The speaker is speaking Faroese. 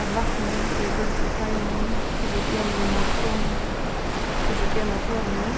eitt vatnmýl er gjørt úr tveimum hydrogenatomum